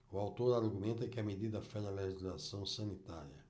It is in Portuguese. o autor argumenta que a medida fere a legislação sanitária